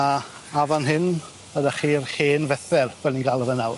A a fan hyn ma' 'dy chi'r hen Fethel fel ni'n galw fe nawr.